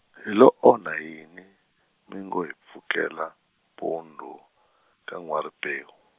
hi lo onha yini, mi ngo hi pfukela, mpundzu, ka N'wa-Ripewu?